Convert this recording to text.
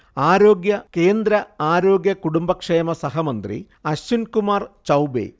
ആരോഗ്യ കേന്ദ്ര ആരോഗ്യ-കുടുംബക്ഷേമ സഹമന്ത്രി അശ്വിൻ കുമാർ ചൌബേ